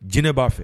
Jinɛ ba fɛ.